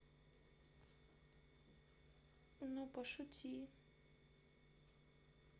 ну пошути